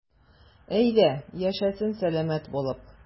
Әйдә, яшәсен сәламәт булып.